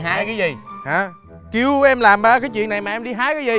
hái cái gì hả kiu em làm ba cái chuyện này mà em đi hái cái gì